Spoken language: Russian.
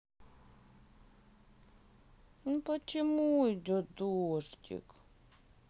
ну почему идет дождик